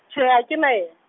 tjhe ha ke na ye-.